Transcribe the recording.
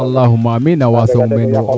alahuma amiina a wasong meen wo it